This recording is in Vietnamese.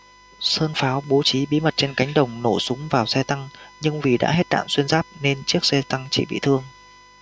sơn pháo bố trí bí mật trên cánh đồng nổ súng vào xe tăng nhưng vì đã hết đạn xuyên giáp nên chiếc xe tăng chỉ bị thương